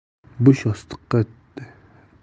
boshi yostiqqa tegishi